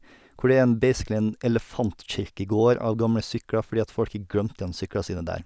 Hvor det er en basically en elefantkirkegård av gamle sykler fordi at folk har glemt igjen syklene sine der.